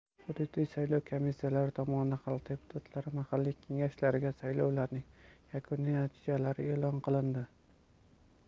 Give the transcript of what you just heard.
hududiy saylov komissiyalari tomonidan xalq deputatlari mahalliy kengashlariga saylovlarning yakuniy natijalari e'lon qilindi